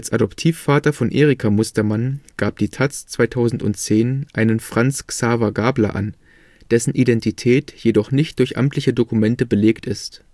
Adoptivvater von Erika Mustermann gab die taz 2010 einen Franz-Xaver Gabler an, dessen Identität jedoch nicht durch amtliche Dokumente belegt ist